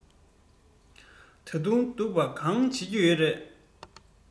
ད དུང སྡུག པ གང བྱེད ཀྱི ཡོད རས